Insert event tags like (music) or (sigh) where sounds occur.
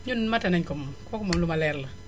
ñun mate naénu ko moom kooku moom (noise) lu ma leer la